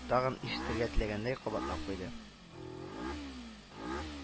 Тагын ишетергә теләгәндәй, кабатлап куйды: